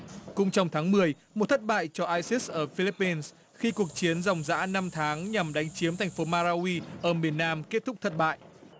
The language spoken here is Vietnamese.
cũng trong tháng mười một thất bại cho ai sít ở phi líp pin khi cuộc chiến ròng rã năm tháng nhằm đánh chiếm thành phố ma ra uy ở miền nam kết thúc thất bại